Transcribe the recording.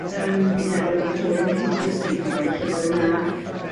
Yym, wi'n meddwl am Dolin Kindersley, chimod y llyfre 'na.